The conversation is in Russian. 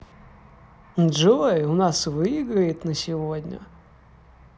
джой у нас выиграет на сегодня